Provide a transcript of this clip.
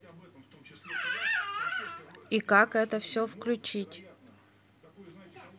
и как это все включить